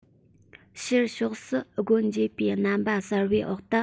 ཕྱི ཕྱོགས སུ སྒོ འབྱེད པའི རྣམ པ གསར བའི འོག ཏུ